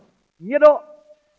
nhiệt độ